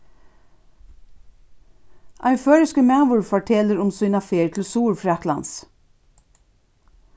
ein føroyskur maður fortelur um sína ferð til suðurfraklands